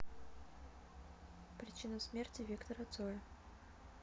причина смерти виктора цоя